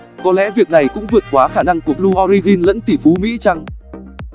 có lẽ việc này cũng vượt quá khả năng của blue origin lẫn tỷ phú mỹ chăng